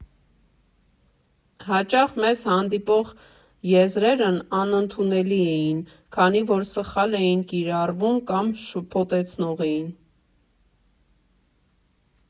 Հաճախ մեզ հանդիպող եզրերն անընդունելի էին, քանի որ սխալ էին կիրառվում կամ շփոթեցնող էին։